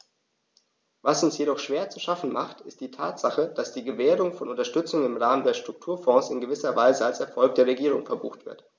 Was uns jedoch schwer zu schaffen macht, ist die Tatsache, dass die Gewährung von Unterstützung im Rahmen der Strukturfonds in gewisser Weise als Erfolg der Regierung verbucht wird.